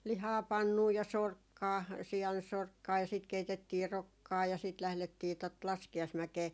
lihaa pannuun ja sorkkaa siansorkkaa ja sitten keitettiin rokkaa ja sitten lähdettiin tuota laskiaismäkeen